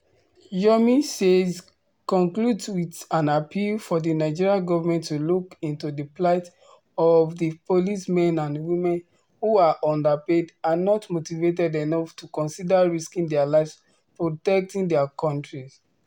Yomi Says concludes with an appeal for the Nigerian government to look into the plight of the police men and women who are underpaid and not motivated enough to consider risking their lives protecting their country.